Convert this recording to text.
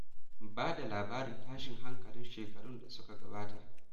Ba da labarin tashin hankalin shekarun da suka gabata